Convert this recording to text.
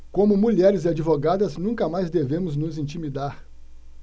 como mulheres e advogadas nunca mais devemos nos intimidar